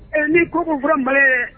Ɛ ni ko' bɛ ma ye